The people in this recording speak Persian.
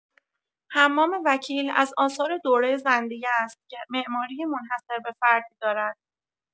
حمام وکیل از آثار دوره زندیه است که معماری منحصر به فردی دارد.